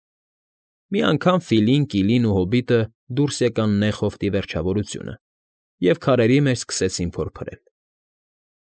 Մի անգամ Ֆիլին, Կիլին ու հոբիտը դուրս եկան նեղ հովտի վերջավորությունը և քարերի մեջ սկսեցին փորփրել։